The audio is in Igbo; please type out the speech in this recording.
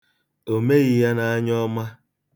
O meghị ya n'anyọọma.